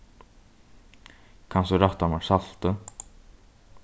kanst tú rætta mær saltið